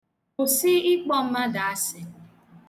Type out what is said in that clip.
Kwụsị ịkpọ mmadụ asị.